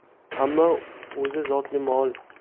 ammo o'zi zotli mol